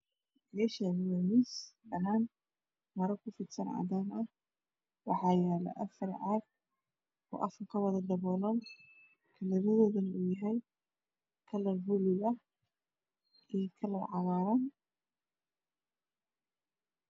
Meeshaani waa miis banaan maro kufidsan cadaan ah. Waxaa yaal afar caag oo afka kawada daboolan kalaradooduna uu yahay kalar buluug ah iyo kalar cagaaran.